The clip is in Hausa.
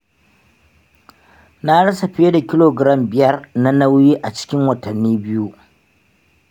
na rasa fiye da kilogram biyar na nauyi a cikin watanni biyu.